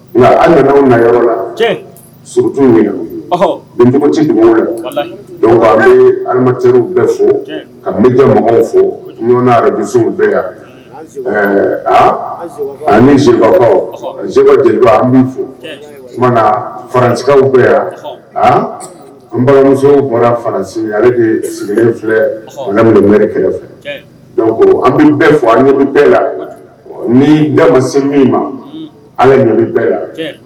Nka an nayɔrɔ la stigiw na bin npogoti dugu la dɔnku an bɛ adamaw bɛɛ fɔ ka bɛja mɔgɔw fɔ n' arabusiww bɛɛ yan ɛɛ a an zfaba jeliba an min fɔ na farantiw bɛɛ yan a an balimamuso bɔra faransi ale de sigilen filɛ na bɛ kɛrɛfɛ an bɛ bɛɛ fɔ a ɲɛ bɛɛ la ni da ma se min ma ala ɲɛ bɛɛ yan